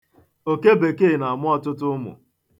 Okebekee na-amụ ọtụtụ ụmụ.